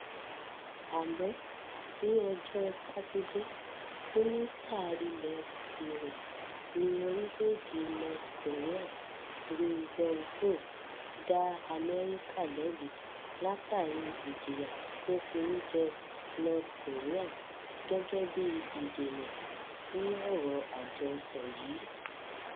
Àmọ́ ní ọjọ́ Sátidé, Mínísítà ilẹ̀-òkèèrè ní orílẹ̀-èdè North Korea, Ri Yong-ho, dá Amẹ́ríkà lẹ́bi látàrí ìjìyà tó fi ń jẹ North Korea gẹ́gẹ́ bí ìdènà sí ọ̀rọ̀ àjọsọ yìí.